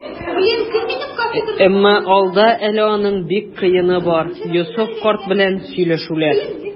Әмма алда әле аның бик кыены бар - Йосыф карт белән сөйләшүләр.